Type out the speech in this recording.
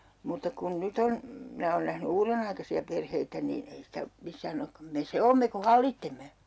mutta kun nyt on minä olen nähnyt uudenaikaisia perheitä niin ei sitä missään olekaan me se olemme kun hallitsemme